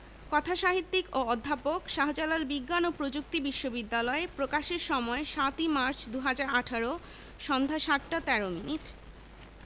কথাসাহিত্যিক ও অধ্যাপক শাহজালাল বিজ্ঞান ও প্রযুক্তি বিশ্ববিদ্যালয় প্রকাশের সময় ৭মার্চ ২০১৮ সন্ধ্যা ৭টা ১৩ মিনিট